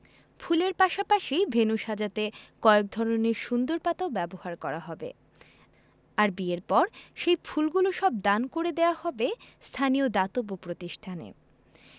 ফুলের পাশাপাশি ভেন্যু সাজাতে কয়েক ধরনের সুন্দর পাতাও ব্যবহার করা হবে আর বিয়ের পর সেই ফুলগুলো সব দান করে দেওয়া হবে স্থানীয় দাতব্য প্রতিষ্ঠানে